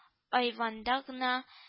Айванда гына